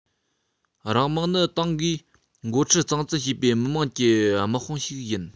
རང དམག ནི ཏང གིས འགོ ཁྲིད གཙང བཙན བྱེད པའི མི དམངས ཀྱི དམག དཔུང ཞིག ཡིན